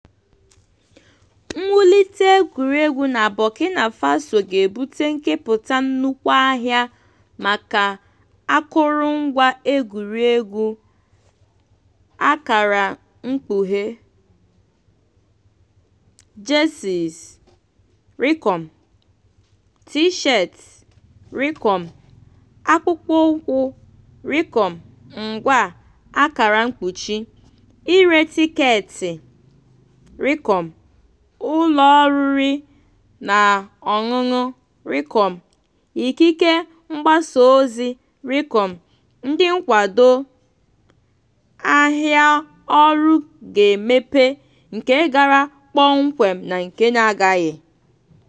Mwulite egwuruegwu na Burkina Faso ga-ebute nkepụta nnukwu ahịa maka akụrụngwa egwuruegwu (jerseys, T-shirts, akpụkpọụkwụ, ngwa), ire tikeeti, ụlọoriri na ọṅụṅụ, ikike mgbasaozi, ndị nkwado ... Ahịa ọrụ ga-emepe, nke gara kpọmkwem na nke na-agaghị.